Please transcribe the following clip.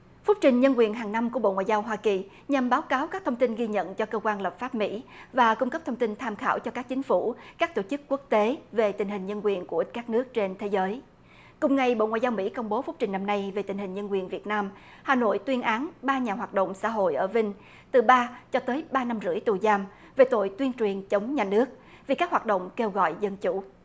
phúc trình nhân quyền hằng năm của bộ ngoại giao hoa kỳ nhằm báo cáo các thông tin ghi nhận cho cơ quan lập pháp mỹ và cung cấp thông tin tham khảo cho các chính phủ các tổ chức quốc tế về tình hình nhân quyền của các nước trên thế giới cùng ngày bộ ngoại giao mỹ công bố phúc trình năm nay về tình hình nhân quyền việt nam hà nội tuyên án ba nhà hoạt động xã hội ở vinh từ ba cho tới ba năm rưỡi tù giam về tội tuyên truyền chống nhà nước về các hoạt động kêu gọi dân chủ